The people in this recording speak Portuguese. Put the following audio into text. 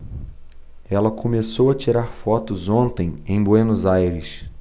ela começou a tirar fotos ontem em buenos aires